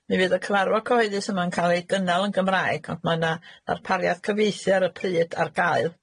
Mi fydd y cyfarfod cyhoeddus yma'n ca'l ei gynnal yn Gymraeg, ond ma' 'na ddarpariaeth cyfieithu ar y pryd ar gael.